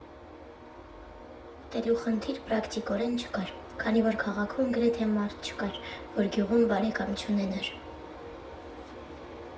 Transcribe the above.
Ուտելու խնդիր պրակտիկորեն չկար, քանի որ քաղաքում գրեթե մարդ չկար, որ գյուղում բարեկամ չունենար։